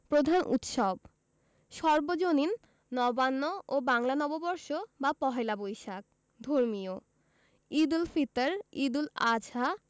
প্রধান উৎসবঃ সর্বজনীন নবান্ন ও বাংলা নববর্ষ বা পহেলা বৈশাখ ধর্মীয় ঈদুল ফিত্ র ঈদুল আযহা